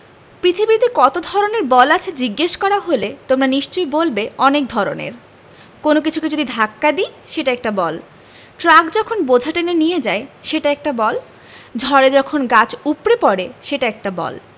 পৃথিবীতে কত ধরনের বল আছে জিজ্ঞেস করা হলে তোমরা নিশ্চয়ই বলবে অনেক ধরনের কোনো কিছুকে যদি ধাক্কা দিই সেটা একটা বল ট্রাক যখন বোঝা টেনে নিয়ে যায় সেটা একটা বল ঝড়ে যখন গাছ উপড়ে পড়ে সেটা একটা বল